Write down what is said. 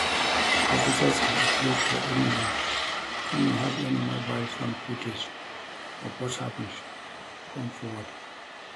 Officers have appealed for anyone who may have any mobile phone footage of what happened to come forward.